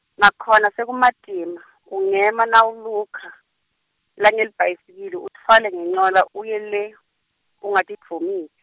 nakhona sekumatima, ungema nawulukha, langelibhayisikili utfwale ngencola uye le, ungatidvumi-.